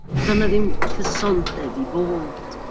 Doedd 'na ddim cysondeb i fod.